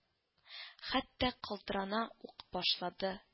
Хәтта калтырана ук башлады